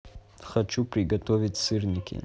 хочу приготовить сырники